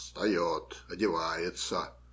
- Встает, одевается.